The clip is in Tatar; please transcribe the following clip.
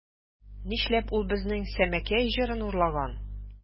Нишләп ул безнең Сәмәкәй җырын урлаган?